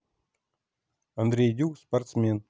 андрей дюк спортсмен